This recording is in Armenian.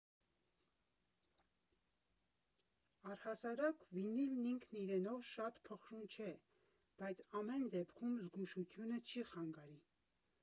Առհասարակ վինիլն ինքն իրենով շատ փխրուն չէ, բայց ամեն դեպքում զգուշությունը չի խանգարի։